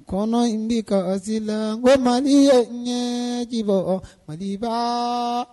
N kɔnɔ in bi ka sisan ko ma ni ye ɲɛjibɔ ma ba